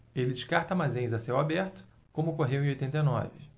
ele descarta armazéns a céu aberto como ocorreu em oitenta e nove